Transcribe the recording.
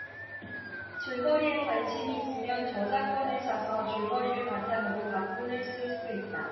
줄거리에 관심이 있으면 저작권을 사서 줄거리를 바탕으로 각본을 쓸 수 있다